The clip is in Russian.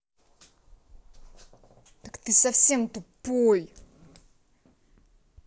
так ты совсем тупой